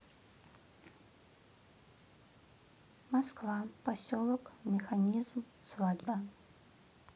москва поселок механизм свадьба